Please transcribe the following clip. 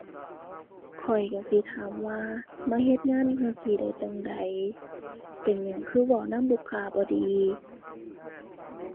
ข้อยก็สิถามว่ามาเฮ็ดงานจั่งซี้ได้จั่งใด เป็นหยังคือเว้านำลูกค้าบ่ดี